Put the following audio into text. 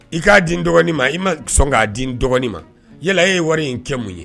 I k'a di dɔgɔn ma i ma sɔn k'a di dɔgɔn ma yala ye wari in kɛ mun ye